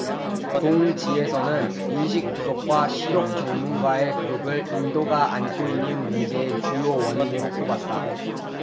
동 지에서는 인식 부족과 시력 전문가의 부족을 인도가 안고 있는 문제의 주요 원인으로 꼽았다